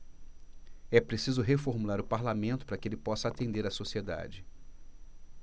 é preciso reformular o parlamento para que ele possa atender a sociedade